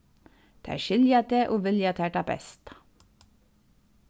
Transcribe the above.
tær skilja teg og vilja tær tað besta